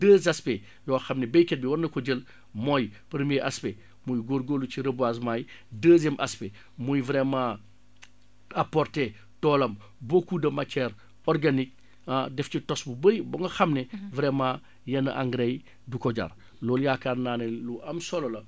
deux aspects yoo xam ne baykat bi war na ko jël mooy premier aspect muy góorgóorlu ci reboisement yi deuxième aspect muy vraiment apporter toolam beaucoup de matière organique ah def ci tos bu bari ba nga xam ne vraiment yenn engrais yi du ko jar loolu yaakaar naa ne lu am solo la